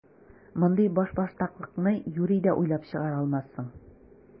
Мондый башбаштаклыкны юри дә уйлап чыгара алмассың!